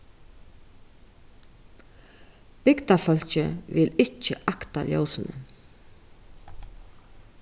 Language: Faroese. bygdarfólkið vil ikki akta ljósini